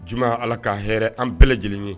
Juma ala ka hɛrɛ an bɛɛ lajɛlen ye